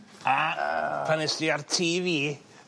...a... Ew. ...pan est ti ar Tee Vee